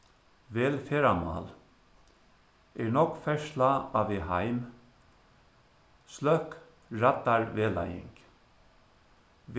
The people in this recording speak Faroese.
vel ferðamál er nógv ferðsla á veg heim sløkk raddarvegleiðing